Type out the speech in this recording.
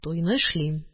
Туйны эшлим...